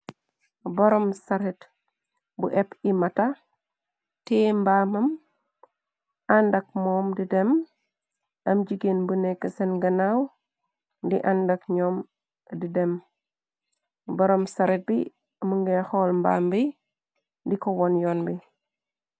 Boroom saret bu épp imata, tee mbaamam àndak moom di dem . Am jigéen bu nekk seen nganaaw di àndak ñoom, di dem. Boroom saret bi, mu nge xool mbaam bi, di ko wan yoon bi.